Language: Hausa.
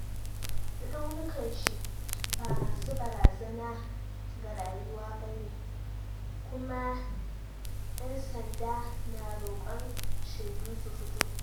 Raunukan shi ba masu barazana ga rayuwa bane kuma yan sanda na rokon shaidu su fito.